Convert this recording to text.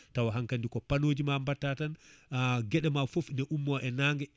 tawa hankkandi ko panuujima batta tan gueɗe ma foof ne ummo e nangue